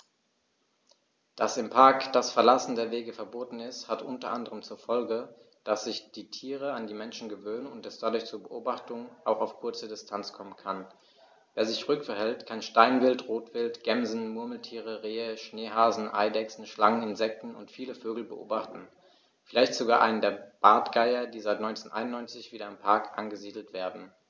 Dass im Park das Verlassen der Wege verboten ist, hat unter anderem zur Folge, dass sich die Tiere an die Menschen gewöhnen und es dadurch zu Beobachtungen auch auf kurze Distanz kommen kann. Wer sich ruhig verhält, kann Steinwild, Rotwild, Gämsen, Murmeltiere, Rehe, Schneehasen, Eidechsen, Schlangen, Insekten und viele Vögel beobachten, vielleicht sogar einen der Bartgeier, die seit 1991 wieder im Park angesiedelt werden.